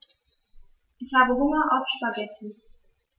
Ich habe Hunger auf Spaghetti.